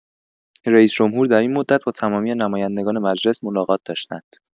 رئیس‌جمهور در این مدت با تمامی نمایندگان مجلس ملاقات داشتند.